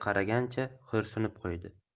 qaragancha xo'rsinib qo'ydi